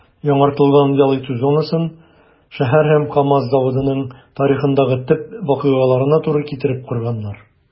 Яңартылган ял итү зонасын шәһәр һәм КАМАЗ заводының тарихындагы төп вакыйгаларына туры китереп корганнар.